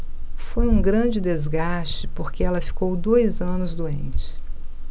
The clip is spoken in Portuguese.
foi um grande desgaste porque ela ficou dois anos doente